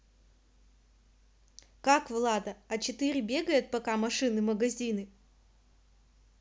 как влада а четыре бегает пока машины магазины